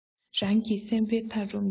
རང གི སེམས པའི མཐའ རུ མི སྐོར བའི